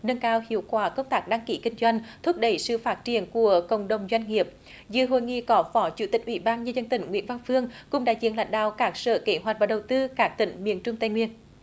nâng cao hiệu quả công tác đăng ký kinh doanh thúc đẩy sự phát triển của cộng đồng doanh nghiệp dự hội nghị có phó chủ tịch ủy ban nhân dân tỉnh nguyễn văn phương cùng đại diện lãnh đạo các sở kế hoạch và đầu tư các tỉnh miền trung tây nguyên